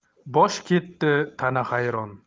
bosh ketdi tana hayron